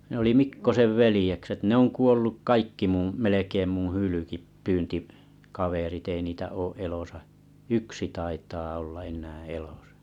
ne oli Mikkosen veljekset ne on kuollut kaikki minun melkein minun -- hylkeenpyyntikaverit ei niitä ole elossa yksi taitaa olla enää elossa